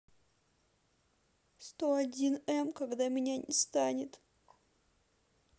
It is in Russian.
сто один м когда меня не станет